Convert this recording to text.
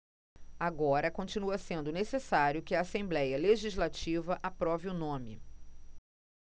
agora continua sendo necessário que a assembléia legislativa aprove o nome